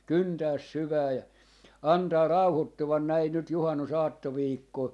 kyntää syvään ja antaa rauhoittua näin nyt juhannusaattoviikkoon